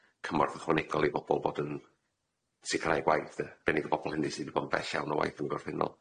cymorth ychwanegol i bobol bod yn sicirau gwaith 'de, arbennig y bobol hynny sy' 'di bo' yn bell iawn o waith yn gorffennol.